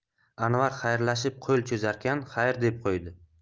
anvar xayrlashib qo'l cho'zarkan xayr deb qo'ydi